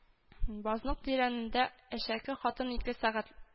Базның тирәнендә әшәке хатын ике сәгать